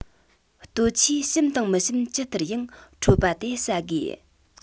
ལྟོ ཆུས ཞིམ དང མི ཞིམ ཇི ལྟར ཡང འཕྲོད པ དེ ཟ དགོས